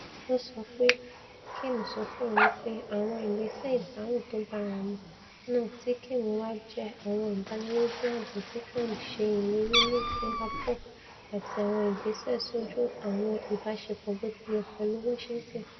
Ó sọ pé Kim sọ fún òun wí pé ''àwọn ìgbésẹ̀ ìdáhùn tóbáramu'' náà tí Kim ń wá jẹ́ àwọn ìdánilójú ààbò tí Trump ṣe ìlérì ní Singapore àti àwọn ìgbésẹ sójú àwọn ìbáṣepọ̀ bótiyẹ pẹ̀lú Washinhton.